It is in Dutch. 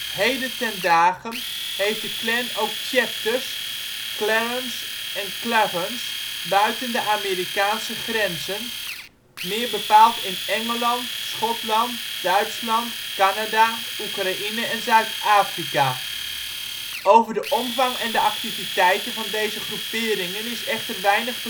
Heden ten dage heeft de Klan ook chapters, clarons en klaverns buiten de Amerikaanse grenzen, meer bepaald in Engeland, Schotland, Duitsland, Canada, Oekraïne en Zuid-Afrika. Over de omvang en de activiteiten van deze groeperingen is echter weinig